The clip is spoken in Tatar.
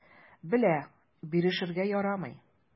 Белә: бирешергә ярамый.